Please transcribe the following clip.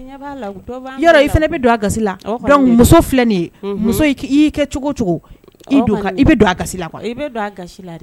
I fana muso filɛi kɛ cogo